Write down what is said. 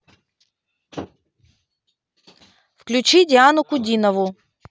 включи диану кудинову